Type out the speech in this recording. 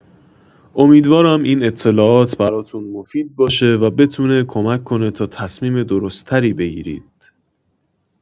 امیدوارم این اطلاعات براتون مفید باشه و بتونه کمک کنه تا تصمیم درست‌تری بگیرید.